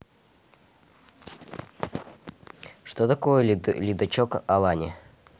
что такое лидочек алане